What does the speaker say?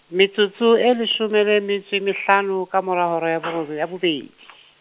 metsotso e leshome le metso e mehlano ka mora hora ya boro be ya bo bobedi.